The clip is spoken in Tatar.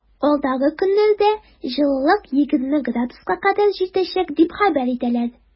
Алдагы көннәрдә җылылык 20 градуска кадәр җитәчәк дип хәбәр итәләр.